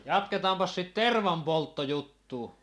jatketaanpas sitä tervanpolttojuttua